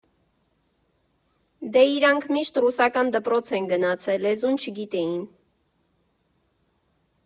Դե իրանք միշտ ռուսական դպրոց էն գնացել, լեզուն չգիտեին։